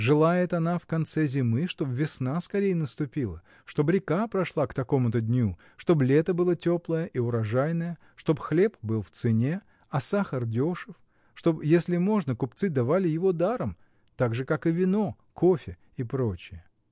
Желает она в конце зимы, чтоб весна скорей наступила, чтоб река прошла к такому-то дню, чтоб лето было теплое и урожайное, чтоб хлеб был в цене, а сахар дешев, чтоб, если можно, купцы давали его даром, так же как и вино, кофе и прочее.